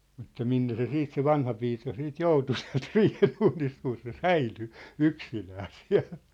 mutta minne se sitten se vanhapiika siitä joutui sieltä riihenuunista kun se säilyi yksinään siellä